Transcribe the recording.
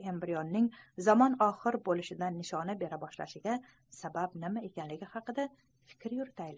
embrionning zamon oxir bo'lishidan nishona bera boshlashiga sabab nima ekanligi haqida fikr yuritaylik